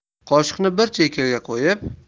qoshiqni bir chekkaga qo'yib